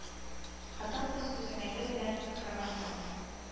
Хатын-кыз күзәнәге белән хромосома